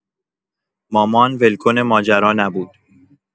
مامان ول‌کن ماجرا نبود.